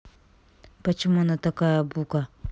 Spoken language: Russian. почему она такая бука